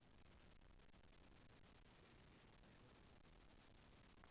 привет я вернулся